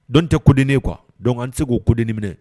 Dɔn tɛ kod ne kuwa dɔn tɛ k'o kod minɛ